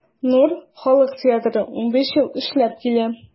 “нур” халык театры 15 ел эшләп килә.